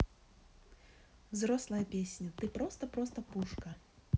взрослая песня ты просто просто пушка